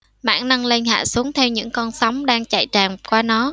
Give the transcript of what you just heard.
mảng nâng lên hạ xuống theo những con sóng đang chạy tràn qua nó